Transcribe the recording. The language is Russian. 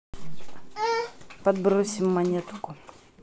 подбросим монетку